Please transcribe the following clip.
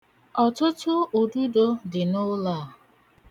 Ọtụtụ ududo dị n'ụlọ a.